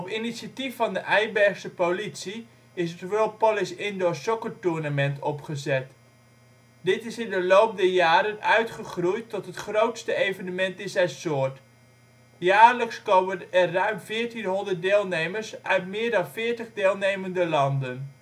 initiatief van de Eibergse politie is het World Police Indoor Soccer Tournament opgezet. Dit is in de loop der jaren uitgegroeid tot het grootste evenement in zijn soort. Jaarlijks komen er ruim 1400 deelnemers uit meer dan 40 deelnemende landen